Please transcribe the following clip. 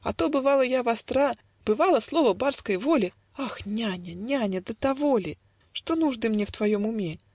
А то, бывало, я востра, Бывало, слово барской воли. "- Ах, няня, няня! до того ли? Что нужды мне в твоем уме?